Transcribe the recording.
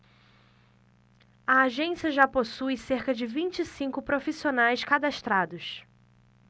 a agência já possui cerca de vinte e cinco profissionais cadastrados